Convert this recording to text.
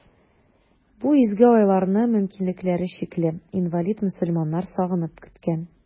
Бу изге айларны мөмкинлекләре чикле, инвалид мөселманнар сагынып көткән.